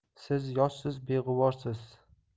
siz yoshsiz beg'uborsiz